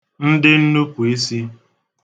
ndịnnùpùisī